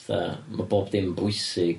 Fatha ma' bob dim yn bwysig.